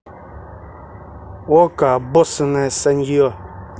okko обоссанная санье